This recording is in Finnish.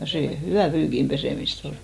ja se hyvää pyykin pesemistä oli